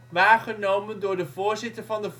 waargenomen door de voorzitter van de